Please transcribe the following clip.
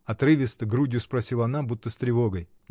— отрывисто, грудью спросила она, будто с тревогой.